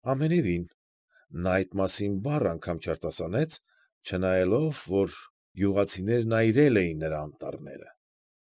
Ամենևին, նա այդ մասին բառ անգամ չարտասանեց, չնայելով, որ «գյուղացիներն այրել էին նրա անտառները»։